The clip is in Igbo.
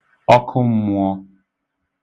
ọkụm̄mụ̄ọ̄